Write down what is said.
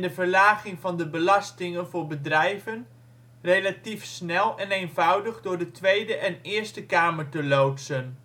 verlaging van de belastingen voor bedrijven, relatief snel en eenvoudig door de Tweede en Eerste Kamer te loodsen